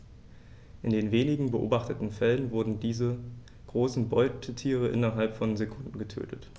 In den wenigen beobachteten Fällen wurden diese großen Beutetiere innerhalb von Sekunden getötet.